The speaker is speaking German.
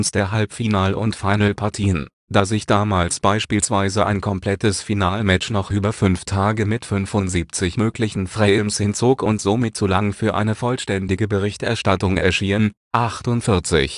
der Halbfinal - und Final-Partien, da sich damals beispielsweise ein komplettes Finalmatch noch über fünf Tage mit 75 möglichen Frames hinzog und somit zu lang für eine vollständige Berichterstattung erschien. In